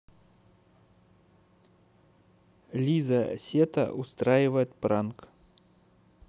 лиза сета устраивает пранк